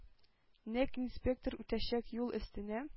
Нәкъ инспектор үтәчәк юл өстенә